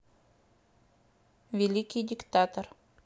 великий диктатор